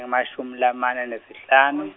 e- mashumi lamane nesihlanu.